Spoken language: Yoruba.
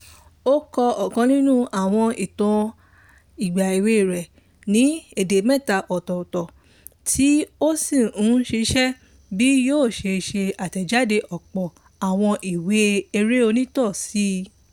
Ó kọ ọ̀kan nínú àwọn ìtàn ìgbà èwe rẹ̀ ní èdè 3 ọ̀tọ̀ọ̀tọ̀, tí ó sì ń ṣiṣẹ́ tọ bí yóò ṣe ṣe àtẹ̀jáde ọ̀pọ̀ àwọn ìwé eré onítàn síi.